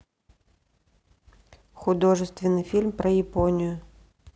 художественный фильм про японию